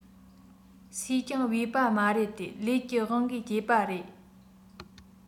སུས ཀྱང བོས པ མ རེད དེ ལས ཀྱི དབང གིས སྐྱེས པ རེད